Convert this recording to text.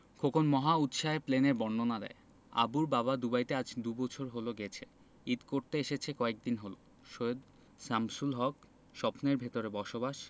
খোকন মহা উৎসাহে প্লেনের বর্ণনা দেয় আবুর বাবা দুবাইতে আজ দুবছর হলো গেছে ঈদ করতে এসেছে কয়েকদিন হলো সৈয়দ শামসুল হক স্বপ্নের ভেতরে বসবাস